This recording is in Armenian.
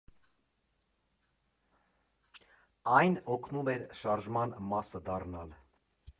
Այն օգնում էր շարժման մասը դառնալ։